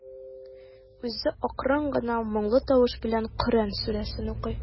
Үзе акрын гына, моңлы тавыш белән Коръән сүрәсен укый.